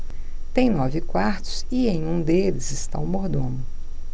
tem nove quartos e em um deles está o mordomo